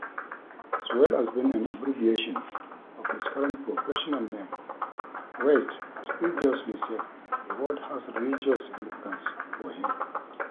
As well as being an abbreviation of his current professional name, West has previously said the word has religious significance for him.